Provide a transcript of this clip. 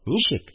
Ничек